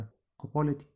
qo'pol etik